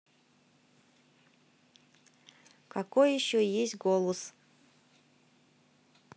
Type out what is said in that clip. какой еще есть голос